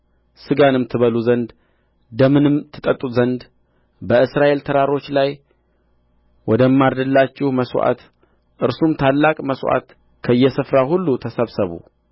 ሥጋንም ትበሉ ዘንድ ደምንም ትጠጡ ዘንድ በእስራኤል ተራሮች ላይ ወደማርድላችሁ መሥዋዕት እርሱም ታላቅ መሥዋዕት ከየስፍራው ሁሉ ተሰብሰቡ